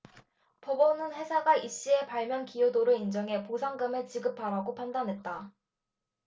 법원은 회사가 이씨의 발명 기여도를 인정해 보상금을 지급하라고 판단했다